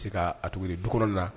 Te kaa a togo ye di du kɔnɔna na